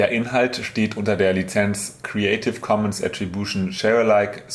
Inhalt steht unter der Lizenz Creative Commons Attribution Share Alike